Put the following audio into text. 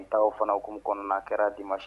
N taa aw fanak kɔnɔna a kɛra di' masi